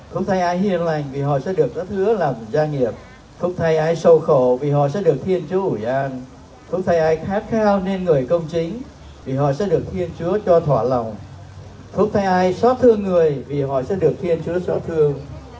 khúc thay ai hiền lành vì họ sẽ được rất hứa làm gia nghiệp khúc thay ai sầu khổ vì họ sẽ được thiên chúa ủi an phúc thay ai khát khao nên người công chính vì họ sẽ được thiên chúa cho thỏa lòng phúc thay ai xót thương người vì họ sẽ được thiên chúa xót thương